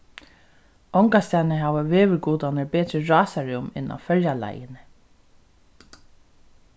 ongastaðni hava veðurgudarnir betri rásarúm enn á føroyaleiðini